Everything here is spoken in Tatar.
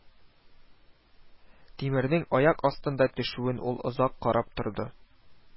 Тимернең аяк астына төшүен ул озак карап торды